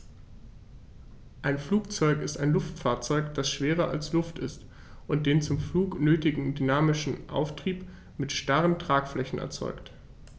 Ein Flugzeug ist ein Luftfahrzeug, das schwerer als Luft ist und den zum Flug nötigen dynamischen Auftrieb mit starren Tragflächen erzeugt.